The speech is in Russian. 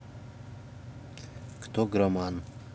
кот граман